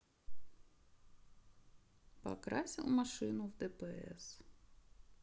покрасил машину в дпс